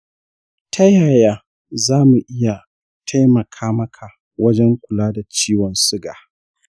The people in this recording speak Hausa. ta yaya za mu iya taimaka maka wajen kula da ciwon suga?